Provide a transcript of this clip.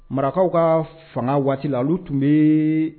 Marakaw ka fanga waati olu tun bɛ